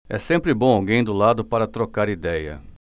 é sempre bom alguém do lado para trocar idéia